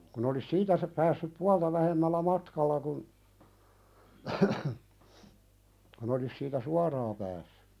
kun olisi siitä - päässyt puolta vähemmällä matkalla kun kun olisi siitä suoraan päässyt